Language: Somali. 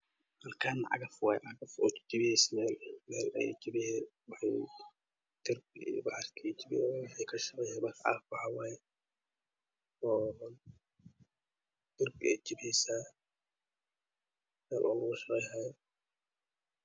Halakaan waxaa joogo cagaf waxey jipineesa darpi